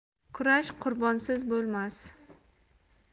kurash qurbonsiz bo'lmas